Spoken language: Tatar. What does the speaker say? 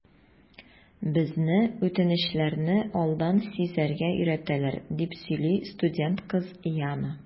Безне үтенечләрне алдан сизәргә өйрәтәләр, - дип сөйли студент кыз Яна.